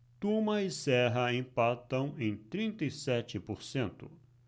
tuma e serra empatam em trinta e sete por cento